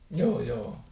joo joo